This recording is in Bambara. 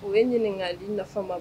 U ye ɲininka nafa ma